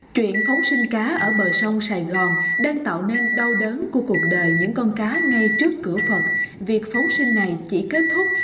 chuyện phóng sinh cá ở bờ sông sài gòn đang tạo nên đau đớn của cuộc đời những con cá ngay trước cửa phật việc phóng sinh này chỉ kết thúc